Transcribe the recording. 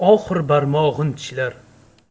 oxiri barmog'ini tishlar